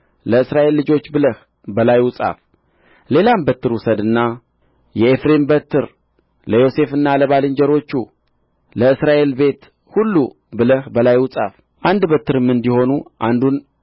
ለእስራኤል ልጆች ብለህ በላዩ ጻፍ ሌላም በትር ውሰድና የኤፍሬም በትር ለዮሴፍና ለባልንጀሮቹ ለእስራኤል ቤት ሁሉ ብለህ በላዩ ጻፍ አንድ በትርም እንዲሆኑ አንዱን